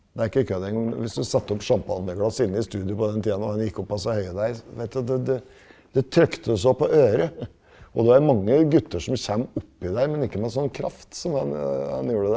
det er ikke kødd en gang, hvis du satte opp sjampanjeglass inni studio på den tida når han gikk oppå disse høye der vet du det det det trykte og så på øre, og det er mange gutter som kommer oppi der, men ikke med sånn kraft som han han gjorde der.